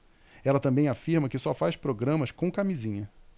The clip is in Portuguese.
ela também afirma que só faz programas com camisinha